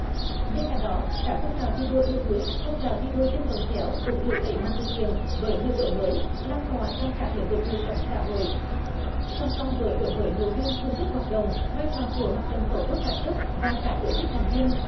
bên cạnh đó các phong trào thi đua yêu nước phong trào thi đua dân vận khéo cũng được đẩy mạnh thực hiện với nhiều đổi mới lan tỏa trong các lĩnh vực đời sống xã hội song song với đổi mới nội dung phương thức hoạt động vai trò của mặt trận tổ quốc các cấp và cả tổ chức thành viên